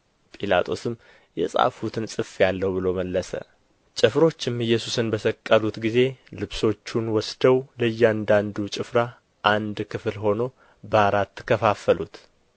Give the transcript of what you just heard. ጲላጦስም የጻፍሁትን ጽፌአለሁ ብሎ መለሰ ጭፍሮችም ኢየሱስን በሰቀሉት ጊዜ ልብሶቹን ወስደው ለእያንዳንዱ ጭፍራ አንድ ክፍል ሆኖ በአራት ከፋፈሉት